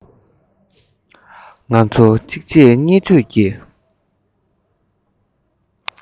ང ཚོ གཅིག རྗེས གཉིས མཐུད ཀྱིས